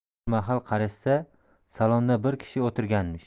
bir mahal qarashsa salonda bir kishi o'tirganmish